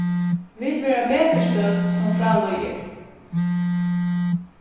vit verða betur stødd sum frá líður